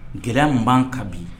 Gɛlɛya min b'an ka bi